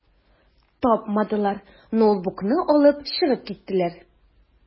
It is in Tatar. Тапмадылар, ноутбукны алып чыгып киттеләр.